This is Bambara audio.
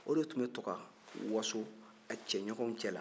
o de tun bɛ to ka waso a cɛ ɲɔgɔnw cɛla